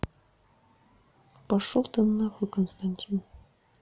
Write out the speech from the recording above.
пошел ты нахуй константин